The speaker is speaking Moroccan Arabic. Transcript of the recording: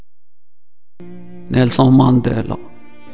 نيلسون مانديلا